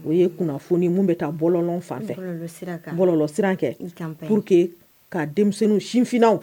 O ye kunnafoni minnu bɛ taa bɔlɔlɔ fan. Bɔlɔlɔ sira kan. Bɔlɔlɔ kɛ. Pour que denmisɛnnin sifinaw.